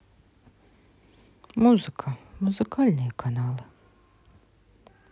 музыка музыкальные каналы